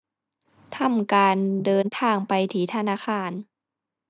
ทำการเดินทางไปที่ธนาคาร